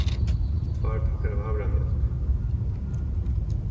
tveir pakkar av havramjólk